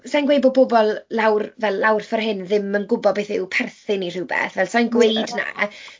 Sa i'n gweud bod pobl lawr fel lawr ffordd hyn ddim yn gwybod beth yw perthyn i rywbeth, fel sa i'n gweud 'na.